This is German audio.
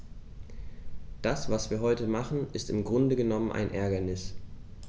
Das, was wir heute machen, ist im Grunde genommen ein Ärgernis.